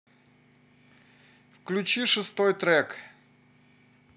включи шестой трек